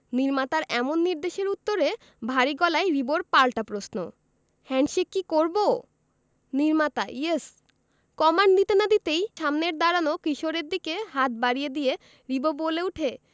নির্মাতার এমন নির্দেশের উত্তরে ভারী গলায় রিবোর পাল্টা প্রশ্ন হ্যান্ডশেক কি করবো নির্মাতা ইয়েস কমান্ড দিতে না দিতেই সামনের দাঁড়ানো কিশোরের দিকে হাত বাড়িয়ে দিয়ে রিবো বলে উঠে